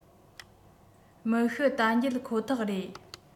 མི ཤི རྟ འགྱེལ ཁོ ཐག རེད